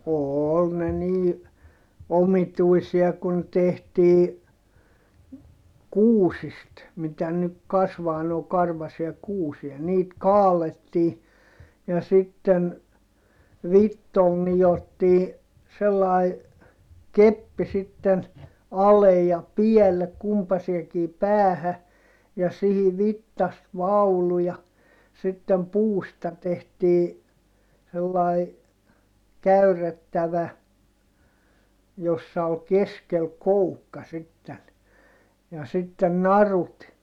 oli ne niin omituisia kun tehtiin kuusista mitä nyt kasvaa noin karvaisia kuusia niitä kaadettiin ja sitten vitsoilla nidottiin sellainen keppi sitten ale ja päälle kumpaiseenkin päähän ja siihen vitsasta vaulu ja sitten puusta tehtiin sellainen käyrrettävä jossa oli keskellä koukka sitten ja sitten narut